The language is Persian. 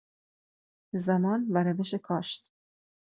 زمان و روش کاشت